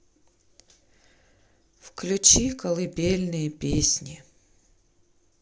включи колыбельные песни